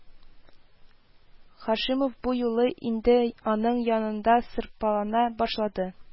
Һашимов бу юлы инде аның янында сырпалана башлады